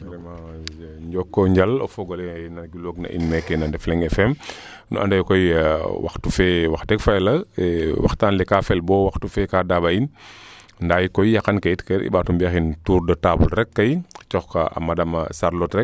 Njoko njal o fogole na gilwoong na in meeke na Ndefleng FM no ande ye koy waxtu fee wax deg fa yala waxtaan le kaa fel bo waxtu fe ka daaba in nda yit koy yakante ke i mbaato mbiya xin tour de table rek kay cooxa madame Charlote rek